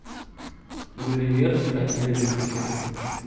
гулливер в стране лилипутов